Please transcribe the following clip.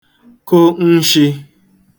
kụ nshị̄